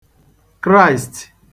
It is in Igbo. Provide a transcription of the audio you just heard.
Kraị̀st